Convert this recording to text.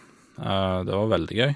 Det var veldig gøy.